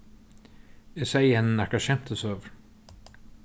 eg segði henni nakrar skemtisøgur